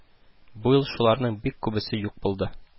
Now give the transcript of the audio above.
Бу ел шуларның бик күбесе юк булды